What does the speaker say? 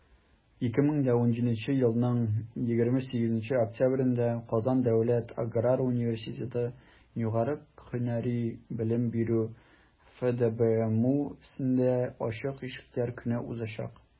2017 елның 28 октябрендә «казан дәүләт аграр университеты» югары һөнәри белем бирү фдбмусендә ачык ишекләр көне узачак.